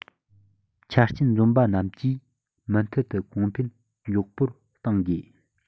ཆ རྐྱེན འཛོམས པ རྣམས ཀྱིས མུ མཐུད དུ གོང འཕེལ མགྱོགས པོར བཏང དགོས